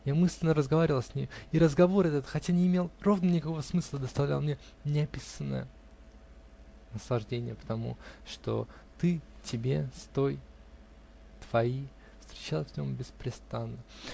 я мысленно разговаривал с нею, и разговор этот, хотя не имел ровно никакого смысла, доставлял мне неописанное наслаждение, потому что ты, тебе, с тобой, твои встречались в нем беспрестанно.